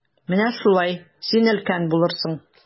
Менә шулай, син өлкән булырсың.